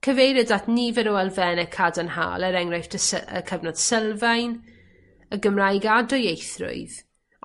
cyfeiriwyd at nifer o elfenne cadarnhaol, er enghraifft y sy- y cyfnod sylfaen y Gymraeg a dwyieithrwydd